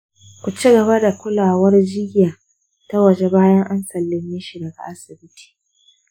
ku ci gaba da ba da kulawar jiyya ta waje bayan an sallame shi daga asibiti.